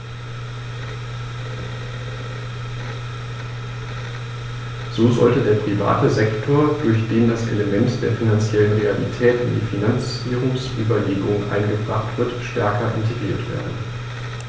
So sollte der private Sektor, durch den das Element der finanziellen Realität in die Finanzierungsüberlegungen eingebracht wird, stärker integriert werden.